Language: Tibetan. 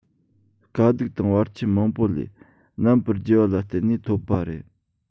དཀའ སྡུག དང བར ཆད མང པོ ལས རྣམ པར རྒྱལ བ ལ བརྟེན ནས ཐོབ པ རེད